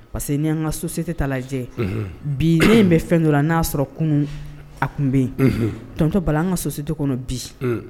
Parce que n'i y'an ka société ta lajɛ; unhun; bi ne ɲɛ bɛ fɛn dɔ n'a y'a sɔrɔ kunun a tun bɛ yen; unhun; tonton Bala, an ka société kɔnɔ bi; un.